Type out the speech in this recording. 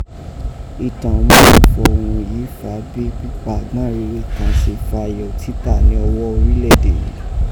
Ìtàn òmúrẹ̀n fọ urun yìí fà á bí pípa àgbànrere kàn se fa iyọ̀ títà ní ọwọ́ orílẹ̀ èdè yìí.